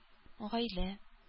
Гаилә